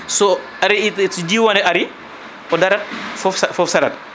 so ari so jiiwonde ari o daarat foof saarat